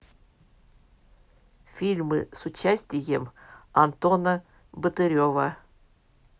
фильмы с участием антона батырева